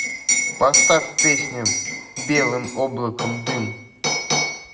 поставь песню белым облаком дым